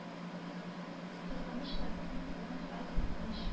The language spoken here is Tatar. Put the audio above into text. Кызганыч ла безнең буын һай кызганыч